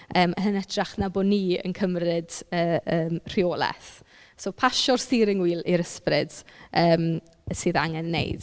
Yym yn hytrach na bod ni yn cymryd yy yym rheolaeth, so pasio'r steering wheel i'r ysbryd yym sydd angen wneud.